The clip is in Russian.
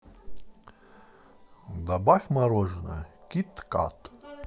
добавь мороженое кит кат